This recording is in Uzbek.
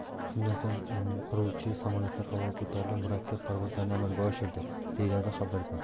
shundan so'ng qiruvchi samolyotlar havoga ko'tarilib murakkab parvozlarni amalga oshirdi deyiladi xabarda